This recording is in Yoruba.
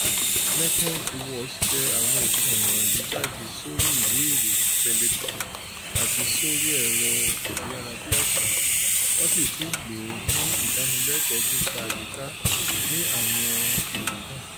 Mekong Watch tẹ àwọn ìtàn wọ̀nyí jáde sórí ìwé ìròyìn pélébé àti sórí ẹ̀rọ ayárabíàṣá, wọ́n sì tún lò ó ní ìdánilẹ́kọ̀ọ́ nípa àyíká ní àwọn ìlú náà.